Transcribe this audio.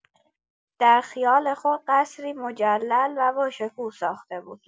در خیال خود، قصری مجلل و باشکوه ساخته بود.